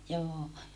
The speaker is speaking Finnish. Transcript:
joo